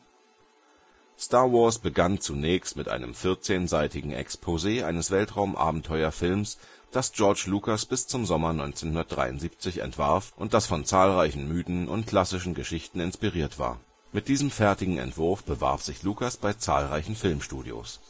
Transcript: Star Wars begann zunächst mit einem 14-seitigen Exposé eines Weltraum-Abenteuer-Films, das George Lucas bis zum Sommer 1973 entwarf und das von zahlreichen Mythen und klassischen Geschichten inspiriert war. Mit diesem fertigen Entwurf bewarb sich Lucas bei zahlreichen Filmstudios